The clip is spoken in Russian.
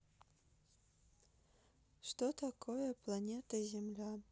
что такое планета земля